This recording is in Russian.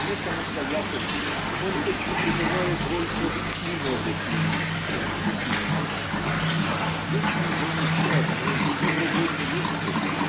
Несамостоятельный, он точно пребывает больше в инобытии, чем в бытии. Вечный жених то одной то другой невесты